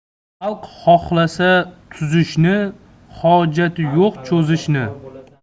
xalq xohlasa tuzishni hojati yo'q cho'zishni